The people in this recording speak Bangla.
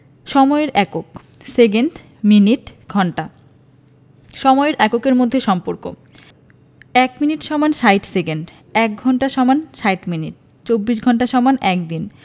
সময়ের এককঃ সেকেন্ড মিনিট ঘন্টা সময়ের এককের মধ্যে সম্পর্কঃ ১ মিনিট = ৬০ সেকেন্ড ১ঘন্টা = ৬০ মিনিট ২৪ ঘন্টা = ১ দিন